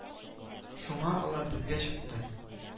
Шуңа алар безгә чыкты